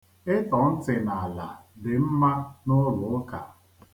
Ịtọ ntị n'ala dị mma n'ụlọ ụka.